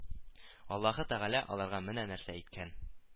Аллаһы Тәгалә аларга менә нәрсә әйткән: